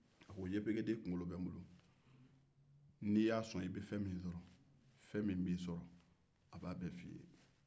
a ko yefegeden kunkolo bɛ n bolo n'i ya sɔn i bɛ fɛn min sɔrɔ fɛn min b'i sɔrɔ a bɛ bɛɛ fɔ i ye